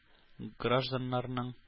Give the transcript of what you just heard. Гражданнарның